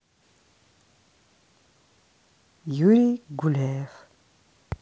юрий гуляев